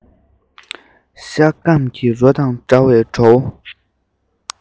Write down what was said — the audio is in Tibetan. ཤ སྐམ གྱི རོ དང འདྲ བའི བྲོ བ